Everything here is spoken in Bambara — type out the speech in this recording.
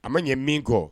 A man ɲɛ min kɔ